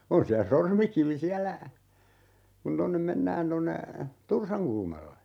on siellä Sormikivi siellä kun tuonne mennään tuonne Tursankulmalle